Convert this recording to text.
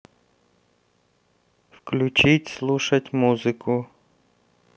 включить слушать музыку